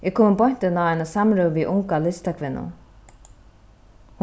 eg komi beint inn á eina samrøða við unga listakvinnu